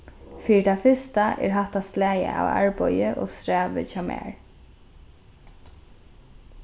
fyri tað fyrsta er hatta slagið av arbeiði ov strævið hjá mær